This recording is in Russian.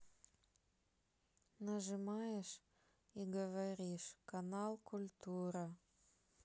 нажимаешь и говоришь канал культура